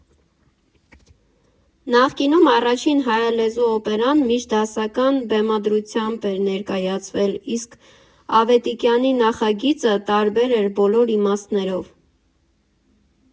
Նախկինում առաջին հայալեզու օպերան միշտ դասական բեմադրությամբ էր ներկայացվել, իսկ Ավետիքյանի նախագիծը տարբեր էր բոլոր իմաստներով.